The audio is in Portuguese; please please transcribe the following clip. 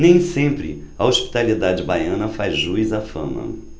nem sempre a hospitalidade baiana faz jus à fama